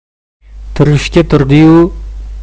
turishga turdi yu nima